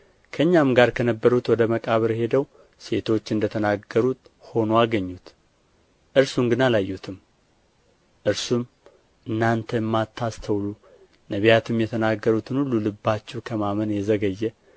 ከእኛም ጋር ከነበሩት ወደ መቃብር ሄደው ሴቶች እንደ ተናገሩት ሆኖ አገኙት እርሱን ግን አላዩትም እርሱም እናንተ የማታስተውሉ ነቢያትም የተናገሩትን ሁሉ ልባችሁ ከማመን የዘገየ